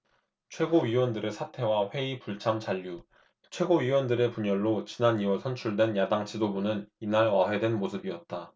최고위원들의 사퇴와 회의 불참 잔류 최고위원들의 분열로 지난 이 월 선출된 야당 지도부는 이날 와해된 모습이었다